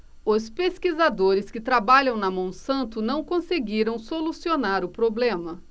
os pesquisadores que trabalham na monsanto não conseguiram solucionar o problema